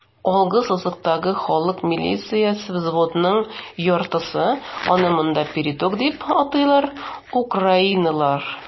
Алгы сызыктагы халык милициясе взводының яртысы (аны монда "передок" дип атыйлар) - украиналылар.